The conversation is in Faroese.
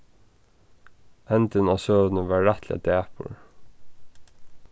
endin á søguni var rættiliga dapur